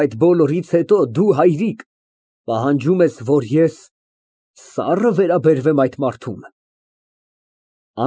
Եվ բոլորից հետո, դու, հայրիկ, պահանջում ես, որ ես սա՞ռը վերաբերվեմ այդ մարդուն։